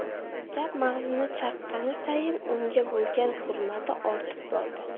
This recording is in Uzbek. gap mag'zini chaqqani sayin unga bo'lgan hurmati ortib bordi